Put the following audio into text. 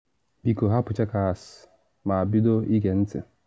Biko hapụ Chequers ma bido ịge ntị.’